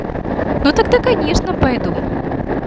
ну тогда конечно пойду